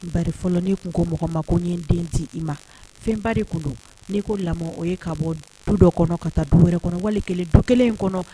Ba fɔlɔ ni kun ko mɔgɔ ma ko ɲɛ den di i ma fɛnba de kun n'i ko lamɔ o ye ka bɔ du dɔ kɔnɔ ka taa du wɛrɛ kɔnɔ wali kelen du kelen in kɔnɔ